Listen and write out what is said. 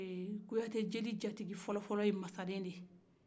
kuyate jeli jatigi fɔlɔ fɔlɔ ye masaren ye